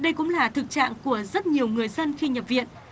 đây cũng là thực trạng của rất nhiều người dân khi nhập viện